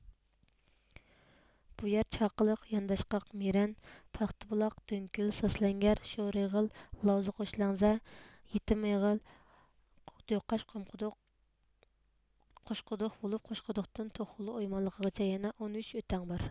بۇ يەر چاقىلىق يانداشقاق مىرەن پاختابۇلاق دۆڭكۆل ساسلەنگەر شورئېغىل لاۋزا قوشلەڭزە يېتىم ئېغىل دۆقاش قۇمقۇدۇق قوشقۇدۇق بولۇپ قوشقۇدۇقتىن توخولۇ ئويمانلىغىغىچە يەنە ئون ئۈچ ئۆتەڭ بار